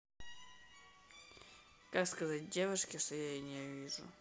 как сказать девушке что я ее ненавижу